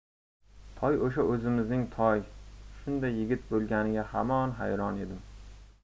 toy o'sha o'zimizning toy shunday yigit bo'lganiga hamon hayron edim